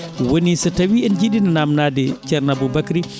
woni so tawii en njiɗii naamndaade ceerno Aboubacry